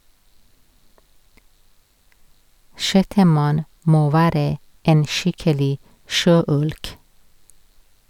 - Sjettemann må være en skikkelig sjøulk.